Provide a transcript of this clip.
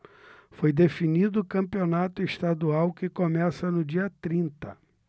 foi definido o campeonato estadual que começa no dia trinta